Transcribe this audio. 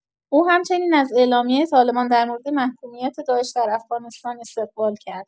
او همچنین از اعلامیه طالبان در مورد محکومیت داعش در افغانستان استقبال کرد.